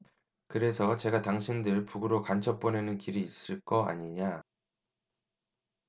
그래서 제가 당신들 북으로 간첩 보내는 길이 있을 거 아니냐